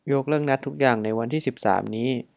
ยกเลิกนัดทุกอย่างในวันที่สิบสามนี้